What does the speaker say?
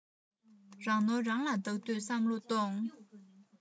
རང ནོར རང ལ བདག དུས བསམ བློ ཐོངས